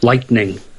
Lightning.